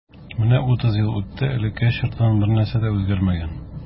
Менә утыз ел үтте, элекке чордан бернәрсә дә үзгәрмәгән.